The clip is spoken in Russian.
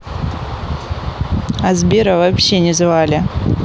а сбера вообще не звали